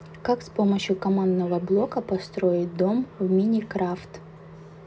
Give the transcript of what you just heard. как с помощью командного блока построить дом в minecraft